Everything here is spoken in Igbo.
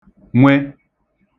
nwe